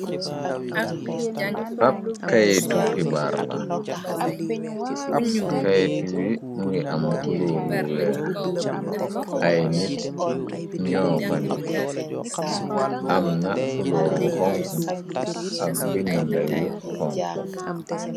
ab kayitu ki baar la kaytu yi ngi am kuluor wu weex ay nit ñoo fani amna xuloor bu xonxu ak bindayu xonxu